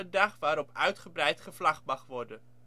dag waarop uitgebreid gevlagd mag worden